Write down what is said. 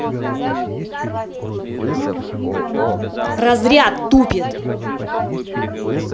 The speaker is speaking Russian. разряд тупит